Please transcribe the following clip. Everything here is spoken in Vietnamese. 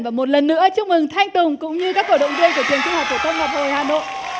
và một lần nữa chúc mừng thanh tùng cũng như các cổ động viên của trường trung học phổ thông ngọc hồi hà nội